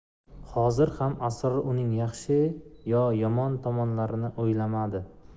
hozir xam asror uning yaxshi yo yomon tomonlarini uylamadi